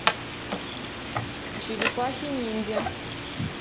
черепахи ниндзя